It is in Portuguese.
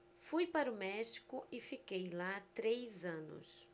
fui para o méxico e fiquei lá três anos